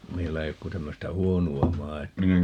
meillä ei ole kuin tämmöistä huonoa maitoa